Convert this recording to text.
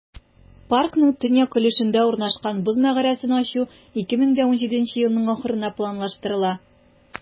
Паркның төньяк өлешендә урнашкан "Боз мәгарәсен" ачу 2017 елның ахырына планлаштырыла.